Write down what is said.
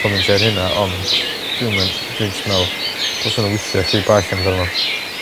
comentio i ar hynna ont dwi'm yn dwi'n jys yn me'wl dylsan n'w weithio chydig bach amdano fo.